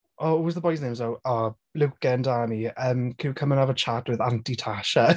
Oh what was that boy's name? Oh "Luca and Danny, can you come and have a chat with Auntie Tasha?"